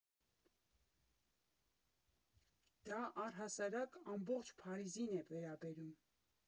Դա առհասարակ ամբողջ Փարիզին է վերաբերում։